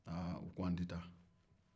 aa u ko an tɛ taa